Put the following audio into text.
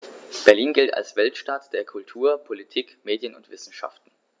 Berlin gilt als Weltstadt[9] der Kultur, Politik, Medien und Wissenschaften.